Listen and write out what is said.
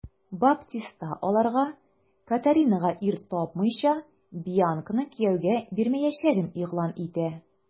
Баптиста аларга, Катаринага ир тапмыйча, Бьянканы кияүгә бирмәячәген игълан итә.